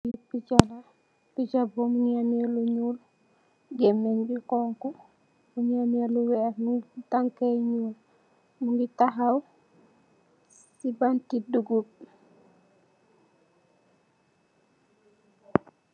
Picha ba, picha bu melni lu ñuul gay mènye bi honku. Mungi ameh lu weeh, tank yi ñuul. Mungi tahaw ci banti dugup.